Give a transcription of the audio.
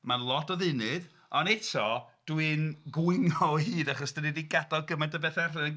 Mae'n lot o ddeunydd, ond eto dwi'n gwingo o hyd achos dan ni 'di gadael gymaint o bethau allan.